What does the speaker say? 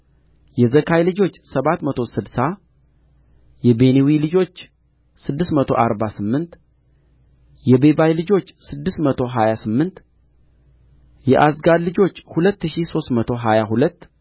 የዘካይ ልጆች ሰባት መቶ ስድሳ የቢንዊ ልጆች ስድስት መቶ አርባ ስምንት የቤባይ ልጆች ስድስት መቶ ሀያ ስምንት የዓዝጋድ ልጆች ሁለት ሺህ ሦስት መቶ ሀያ ሁለት